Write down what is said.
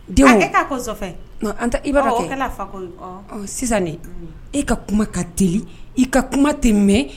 I b'a sisan e ka kuma ka t i ka kuma tɛ mɛn